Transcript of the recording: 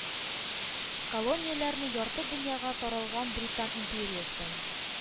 Колонияләре ярты дөньяга таралган британ империясен